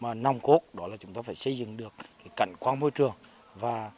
mà nòng cốt đó là chúng ta phải xây dựng được cảnh quan môi trường và